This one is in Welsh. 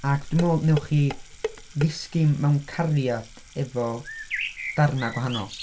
Ac dwi'n meddwl wnewch chi ddisgyn mewn cariad efo darnau gwahanol.